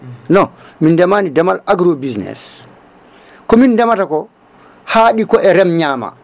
non min ndeema ndemal agrobusiness komin ndeemata ko haaɗiko e rem ñaama